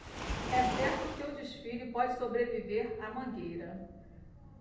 é certo que o desfile pode sobreviver à mangueira